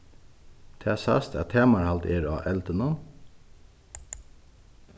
tað sæst at tamarhald er á eldinum